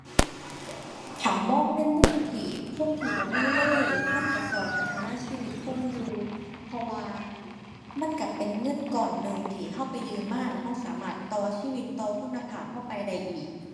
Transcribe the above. ถ้ามองในมุมที่ คนที่บ่มีเลย มันก็ก็พัฒนาชีวิตคนอยู่ เพราะว่ามันก็เป็นเงินก้อนหนึ่งที่ก็ไปยืมมาแล้วก็สามารถต่อชีวิต ต่อคุณภาพก็ไปได้อีก